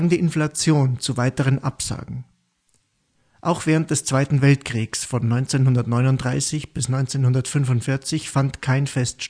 Inflation zu weiteren Absagen. Auch während des Zweiten Weltkriegs von 1939 bis 1945 fand kein Fest